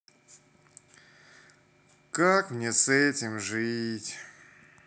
как мне с этим жить